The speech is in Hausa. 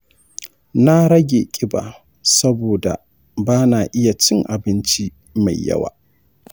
na rage ƙiba saboda ba na iya cin abinci mai yawa.